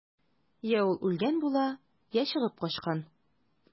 Йә ул үлгән була, йә чыгып качкан.